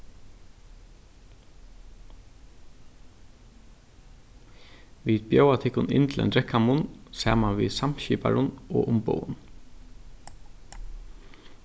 vit bjóða tykkum inn til ein drekkamunn saman við samskiparum og umboðum